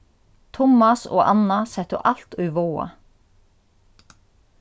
tummas og anna settu alt í váða